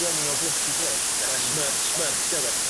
gwenu o glust y glust ond... Na smirk smirk 'di o 'de?